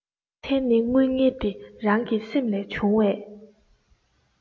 མཚན ནི སྡུལ བསྔལ དེ རང གི སེམས ལས བྱུང བས